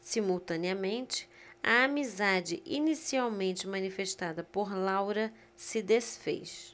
simultaneamente a amizade inicialmente manifestada por laura se disfez